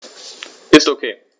Ist OK.